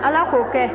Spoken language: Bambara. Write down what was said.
ala k'o kɛ